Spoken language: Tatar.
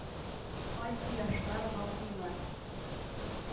Ай, кояшлар балкыйлар?